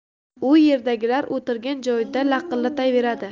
u yerdagilar o'tirgan joyida laqillayveradi